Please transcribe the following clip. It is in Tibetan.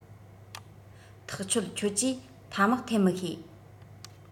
ཐག ཆོད ཁྱོད ཀྱིས ཐ མག འཐེན མི ཤེས